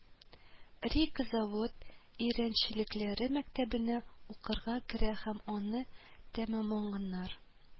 Рика-завод өйрәнчекләре мәктәбенә укырга керә һәм аны тәмамлаганнан